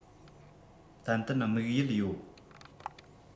ཏན ཏན དམིགས ཡུལ ཡོད